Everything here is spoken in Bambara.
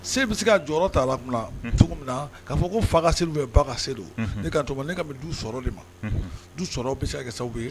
Se bɛ se ka jɔyɔrɔ ta la cogo min na kaa fɔ ko fa ka se ba ka se don ka ne ka du sɔrɔ de ma du sɔrɔ bɛ se ka sababu